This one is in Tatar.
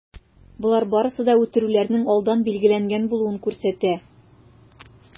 Болар барысы да үтерүләрнең алдан билгеләнгән булуын күрсәтә.